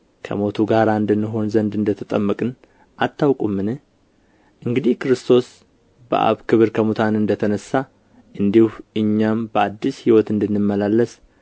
ከሞቱ ጋር አንድ እንሆን ዘንድ እንደ ተጠመቅን አታውቁምን እንግዲህ ክርስቶስ በአብ ክብር ከሙታን እንደ ተነሣ እንዲሁ እኛም በአዲስ ሕይወት እንድንመላለስ